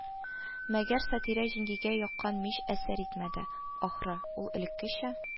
Мәгәр Сатирә җиңгигә яккан мич әсәр итмәде, ахры, ул элеккечә: